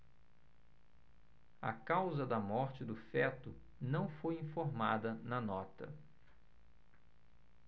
a causa da morte do feto não foi informada na nota